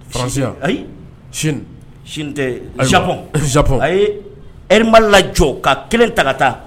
France wa? ayi, Chine , Chine tɛ Japon, Japon a ye air Mali lajɔ ka kelen ta ka taa